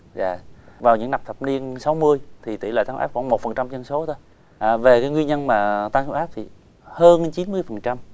dạ vào những năm thập niên sáu mươi thì tỷ lệ tăng huyết áp khoảng một phần trăm dân số thôi à về cái nguyên nhân mà tăng huyết áp thì hơn chín mươi phần trăm